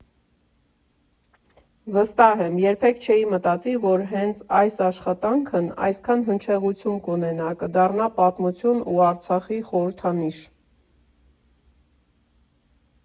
Վստահ եմ՝ երբեք չէր մտածի, որ հենց այս աշխատանքն այսքան հնչեղություն կունենա, կդառնա պատմություն ու Արցախի խորհրդանիշ։